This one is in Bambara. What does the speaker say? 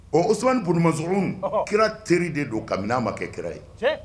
Ɔ ouman bomanz kira teri de don kami ma kɛ kira ye